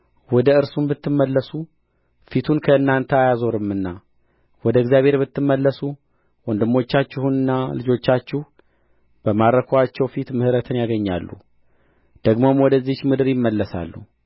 ወደ እርሱም ብትመለሱ ፊቱን ከእናንተ አያዞርምና ወደ እግዚአብሔር ብትመለሱ ወንድሞቻችሁና ልጆቻችሁ በማረኩአቸው ፊት ምሕረትን ያገኛሉ ደግሞም ወደዚህች ምድር ይመለሳሉ